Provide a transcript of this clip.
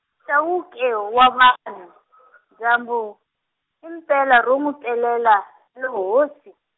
Chauke wa vanhu, dyambu, impela ro n'wi pelela, ri lo hosi.